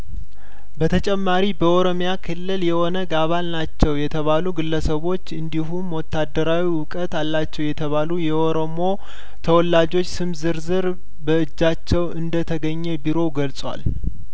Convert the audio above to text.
በተጨማሪ በኦሮሚያ ክልል የኦነግ አባል ናቸው የተባሉ ግለሰቦች እንዲሁም ወታደራዊ እውቀት አላቸው የተባሉ የኦሮሞ ተወላጆች ስም ዝርዝር በእጃቸው እንደተገኘ ቢሮው ገልጿል